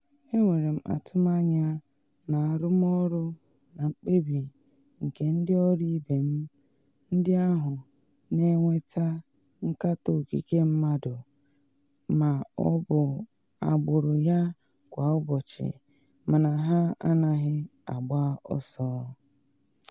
Enwere m ntụmanya n’arụmọrụ na mkpebi nke ndị ọrụ ibe m ndị ahụ na enweta nkatọ okike mmadụ ma ọ bụ agbụrụ ya kwa ụbọchị mana ha anaghị agba ọsọ.